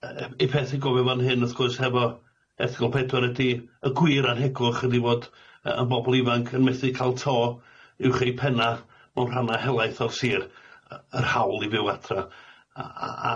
yy yy un peth i gofio fan hyn wrth gwrs hefo erthygl pedwar ydi y gwir anhegwch ydi fod yy y bobol ifanc yn methu ca'l to uwch 'i penna' mewn rhanna helaeth o'r sir yy yr hawl i fyw adra.